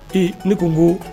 Ee ne tun ko